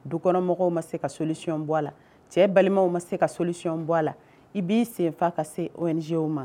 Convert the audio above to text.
Dukɔnɔmɔgɔw ma se ka soliy bɔ a la cɛ balimaw ma se ka soliy bɔ a la i b'i senfa ka se oz o ma